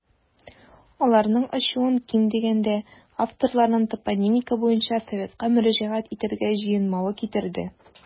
Аларның ачуын, ким дигәндә, авторларның топонимика буенча советка мөрәҗәгать итәргә җыенмавы китерде.